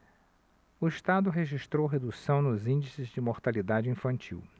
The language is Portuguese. o estado registrou redução nos índices de mortalidade infantil